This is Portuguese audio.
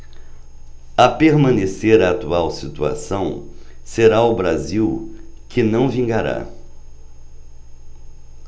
a permanecer a atual situação será o brasil que não vingará